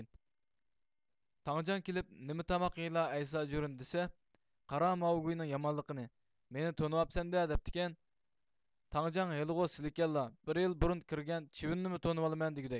تاڭجاڭ كېلىپ نىمە تاماق يەيلا ئەيساجۈرۈن دېسە قارا ماۋۇ گۇينىڭ يامانلقىنى مېنى تونىۋاپسەندە دەپتىكەن تاڭجاڭ ھېلىغۇ سېلىكەنلا بىر يىل بۇرۇن كىرگەن چىۋىننىمۇ تونىۋالىمەن دىگۈدەك